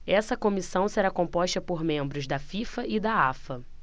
essa comissão será composta por membros da fifa e da afa